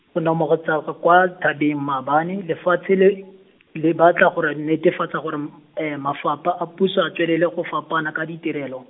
go na mogetsa- kwa thabeng maabane lefatshe le, le batla gore netefatsa gore, mafapha a puso a tswelele go fapaana ka ditirelo.